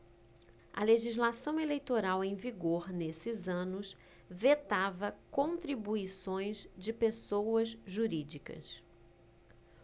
a legislação eleitoral em vigor nesses anos vetava contribuições de pessoas jurídicas